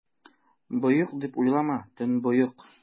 Боек, дип уйлама, төнбоек!